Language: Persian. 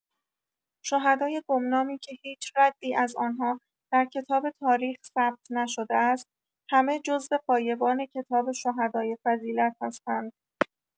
شهدای گمنامی که هیچ ردی از آنها در کتاب تاریخ ثبت‌نشده است، همه جزو غایبان کتاب شهدای فضیلت هستند.